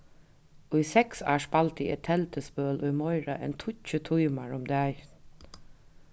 í seks ár spældi eg telduspøl í meira enn tíggju tímar um dagin